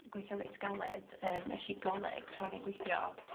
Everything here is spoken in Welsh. gweithio reit galed yym esh i goleg tra o'n i'n gweithio